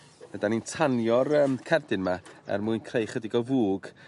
Rydan ni'n tanio'r yym cerdyn 'ma er mwyn creu chydig o fwg.